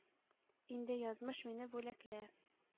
Инде, язмыш, мине бүләклә!